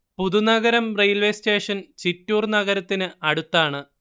Puthunagaram railway station Chittur നഗരത്തിന് അടുത്താണ്